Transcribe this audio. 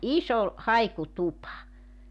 iso haikutupa